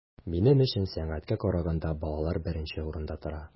Минем өчен сәнгатькә караганда балалар беренче урында тора.